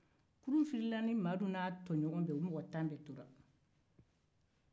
kurun firila ni madu n'a tɔɲɔgɔnw ye u mɔgɔ tan de tora